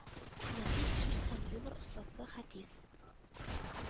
Нәфис сүз һәм юмор остасы хәтиф